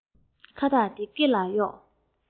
བཀྲ ཤེས བདེ ལེགས